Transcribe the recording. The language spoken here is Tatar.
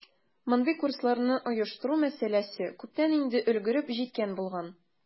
Мондый курсларны оештыру мәсьәләсе күптән инде өлгереп җиткән булган.